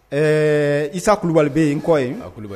Ɛɛ isa kulubali bɛ yen kɔ ye kulubali